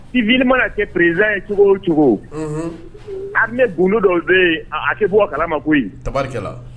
I v mana kɛ presiz ye cogo o cogo a ne gundo dɔw bɛ yen a tɛ bɔ kala ma koyi tari